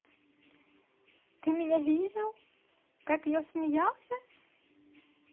ты меня видел как я смеялся